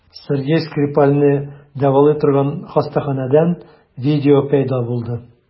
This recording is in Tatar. Сергей Скрипальне дәвалый торган хастаханәдән видео пәйда булды.